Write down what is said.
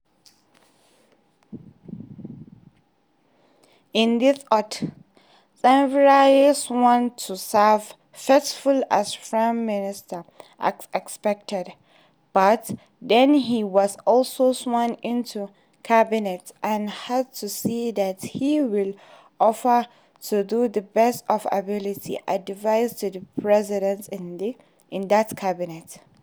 In this oath, Tsvangirai swore to serve faithfully as Prime Minister, as expected, but then he was also sworn into cabinet and had to say that he will offer, to the best of ability, advice to the president in that cabinet.